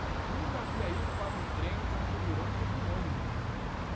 nunca havia ido para um treino com seguranças no ônibus